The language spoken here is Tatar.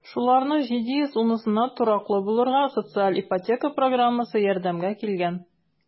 Шуларның 710-сына тораклы булырга социаль ипотека программасы ярдәмгә килгән.